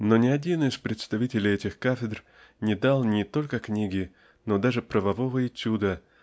Но ни один из представителей этих кафедр не дал не только книги но даже правового этюда